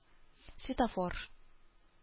Светофор